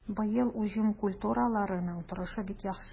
Быел уҗым культураларының торышы бик яхшы.